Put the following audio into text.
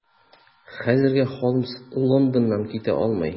Хәзергә Холмс Лондоннан китә алмый.